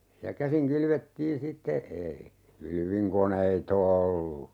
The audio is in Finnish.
ja käsin kylvettiin sitten ei kylvinkoneita ollut